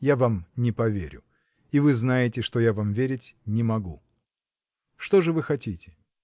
я вам не поверю, -- и вы знаете, что я вам верить не могу. Что же вы хотите?